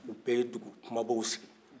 u bɛ ye dugu kuma